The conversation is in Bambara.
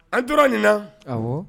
An tora ɲin